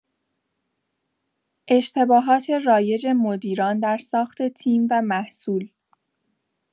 اشتباهات رایج مدیران در ساخت تیم و محصول